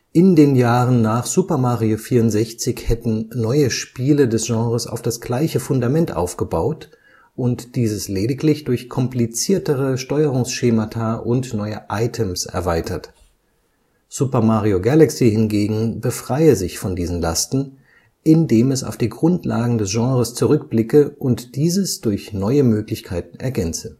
In den Jahren nach Super Mario 64 hätten neue Spiele des Genres auf das gleiche Fundament aufgebaut und dieses lediglich durch kompliziertere Steuerungsschemata und neue Items erweitert. Super Mario Galaxy hingegen befreie sich von diesen Lasten, indem es auf die Grundlagen des Genres zurückblicke und dieses durch neue Möglichkeiten ergänze